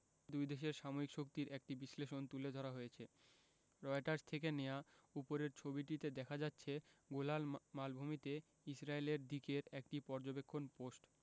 দুই দেশের সামরিক শক্তির একটি বিশ্লেষণ তুলে ধরা হয়েছে রয়টার্স থেকে নেয়া উপরের ছবিটিতে দেখা যাচ্ছে গোলান মালভূমিতে ইসরায়েলের দিকের একটি পর্যবেক্ষণ পোস্ট